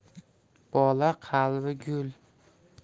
bola qalbi gul